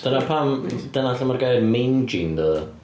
Dyna pam... Dyna lle ma'r gair mangey yn dod o?